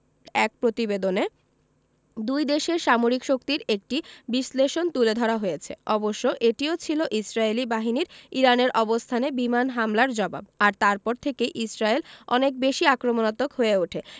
এক প্রতিবেদনে দুই দেশের সামরিক শক্তির একটি বিশ্লেষণ তুলে ধরা হয়েছে অবশ্য এটিও ছিল ইসরায়েলি বাহিনীর ইরানের অবস্থানে বিমান হামলার জবাব আর তারপর থেকেই ইসরায়েল অনেক বেশি আক্রমণাত্মক হয়ে ওঠে